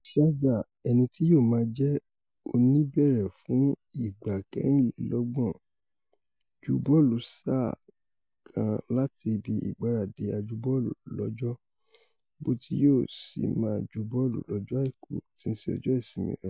Scherzer, ẹni tí yóò máa jẹ́ oníbẹ̀rẹ̀ fún ìgbà kẹrìnlélọ́gbọ̀n rẹ̀, ju bọ́ọ̀lù sáà kan láti ibi ìgbaradì aju-bọ́ọ̀lù lọ́jọ́ 'Bọ̀ ti yóò sì máa ju bọ́ọ̀lu lọ́jọ́ Àìkú tííṣe ọjọ́ ìsinmi rẹ̀.